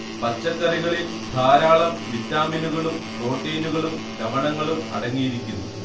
പച്ചക്കറികളിൽ ധാരാളം വിറ്റാമിനുകളും പ്രോട്ടീനുകളും ലവണങ്ങളും അടങ്ങിയിരിക്കുന്നു